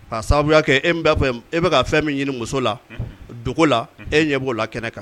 Ka sababuya kɛ e b'a fɔ e bɛ ka fɛn min ɲini muso la dogo la e ɲɛ b'o la kɛnɛ kan